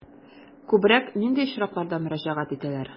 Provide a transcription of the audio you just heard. Күбрәк нинди очракларда мөрәҗәгать итәләр?